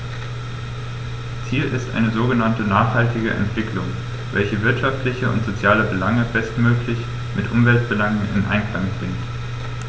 Ziel ist eine sogenannte nachhaltige Entwicklung, welche wirtschaftliche und soziale Belange bestmöglich mit Umweltbelangen in Einklang bringt.